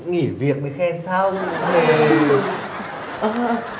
nghỉ việc mới khen xong ờ ơ ơ ơ